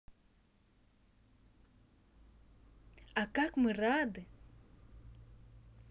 а как мы рады